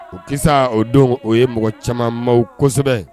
O kisa o don o ye mɔgɔ caaman maaw kosɛbɛn.